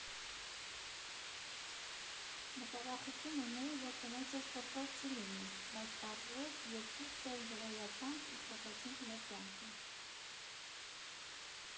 Մտավախություն ունեի, որ կնոջս սրտով չի լինի, բայց պարզվեց՝ երկուսս էլ զրոյացանք ու փոխեցինք մեր կյանքը։